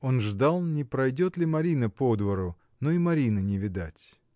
Он ждал, не пройдет ли Марина по двору, но и Марины не видать.